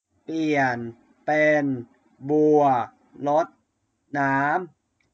เปลี่ยนเป็นบัวรดน้ำ